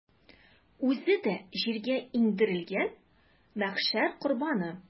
Үзе дә җиргә иңдерелгән мәхшәр корбаны.